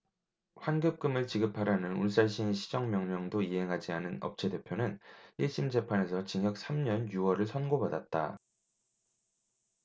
환급금을 지급하라는 울산시의 시정명령도 이행하지 않은 업체대표는 일 심 재판에서 징역 삼 년 유 월을 선고받았다